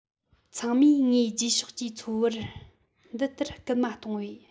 ཚང མས ངའི རྗེས ཕྱོགས ཀྱི འཚོ བར འདི ལྟར སྐུལ མ གཏོང བས